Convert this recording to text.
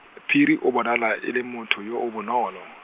Phiri o bonala e le motho yo o bonolo.